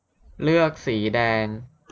เลือกสีแดง